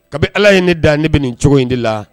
Kabini allh ye ne dan ne bɛ nin cogo in de la.